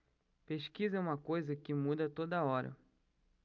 pesquisa é uma coisa que muda a toda hora